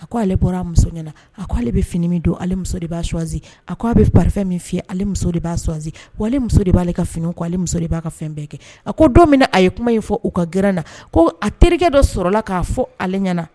A ko ale bɔra a muso ɲɛna a ko ale bɛ fini min don ale muso de b'a choisit a ko a bɛ parfun min fiyɛ ale muso de b'a choisit wa ale muso de b'ale ka finiw ko ale muso de b'a ka fɛn bɛɛ kɛ a ko don min a ye kuma in fɔ u ka gɛrɛn na ko a terikɛ dɔ sɔrɔla k'a fɔ ale ɲɛna